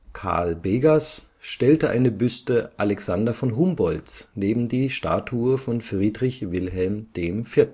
Karl Begas stellte eine Büste Alexander von Humboldts neben die Statue von Friedrich Wilhelm IV